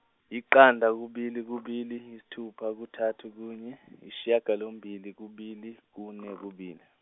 yiqanda kubili kubili yisithupha kuthathu kunye yisishagalombili kubili kune kubili.